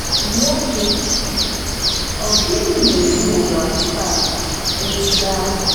Nwoke: “Ọ gịnị n’elu ụwa nke a bụ ihe ahụ?”